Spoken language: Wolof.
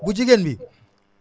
bu jigéen bi